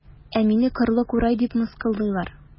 Ә мине кырлы курай дип мыскыллыйлар.